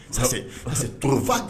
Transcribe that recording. Se tfa